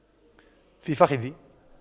في فخذي